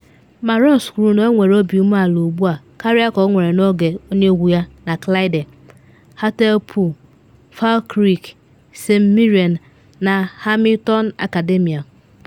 Ma Ross kwuru na ọ nwere obi ume ala ugbu a karia ka ọ nwere n’oge onye egwu ya na Clyde, Hartlepool, Falkirk, St Mirren na Hamilton Academical.